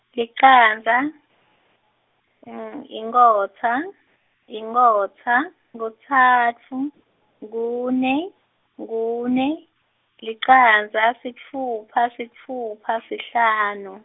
licandza, inkhotsa, inkhotsa, kutsatfu, kune, kune, licandza sitfupha sitfupha sihlanu.